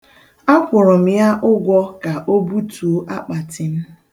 Akwụrụ m ya ụgwọ ka o butuo akpati m.